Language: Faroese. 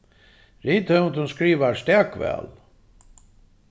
rithøvundurin skrivar stak væl